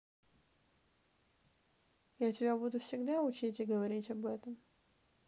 я тебя буду всегда учить и говорить об этом